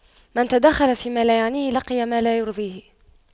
من تَدَخَّلَ فيما لا يعنيه لقي ما لا يرضيه